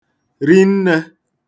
rinne